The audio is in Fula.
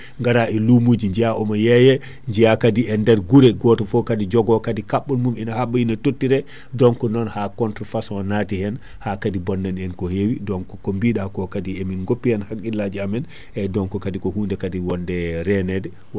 gara e luumoji jiiya omo yeeye jiiya kaadi e nder guurée goto foo kaadi joogo kaadi kaɓɓol mum ina haɓɓa ina totire donc non ha contre façon nati hen ha kaadi bonnani en ko heewi donc ko biɗa ko kaadi emin goppi hen hagguillaji amen eyyi donc kaadi ko hunde wonde e reenede